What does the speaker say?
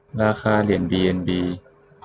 ราคาเหรียญบีเอ็นบี